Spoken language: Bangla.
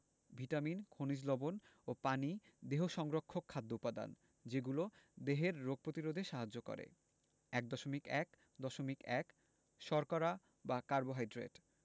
ভিটামিন খনিজ লবন ও পানি দেহ সংরক্ষক খাদ্য উপাদান যেগুলো দেহের রোগ প্রতিরোধে সাহায্য করে ১.১.১ শর্করা বা কার্বোহাইড্রেট